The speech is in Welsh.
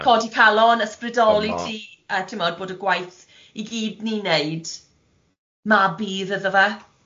Codi calon ysbrydoli ti a timod bod y gwaith i gyd ni'n neud ma' bydd iddo fe.